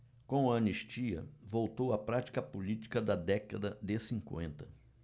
com a anistia voltou a prática política da década de cinquenta